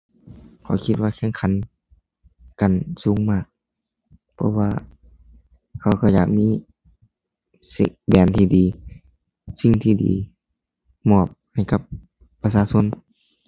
ก็คิดว่าแข่งขันกันสูงมาก เพราะว่าเขาก็อยากมี สิ แบรนด์ที่ดี สิ่งที่ดี มอบให้กับประชาชน